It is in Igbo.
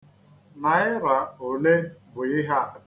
Naịra ole bụ ihe a?